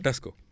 tas ko